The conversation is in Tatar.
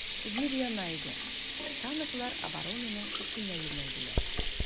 Җир яна иде, танклар оборонаның эченә юнәлделәр.